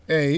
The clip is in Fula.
eeyi